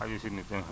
xajul si nit